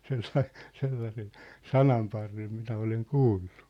sellainen sellaisen sananparren minä olen kuullut